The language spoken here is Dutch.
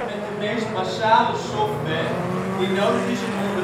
de meest basale software, die nodig is om